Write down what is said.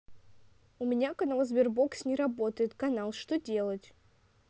у меня канал sberbox не работает канал что делать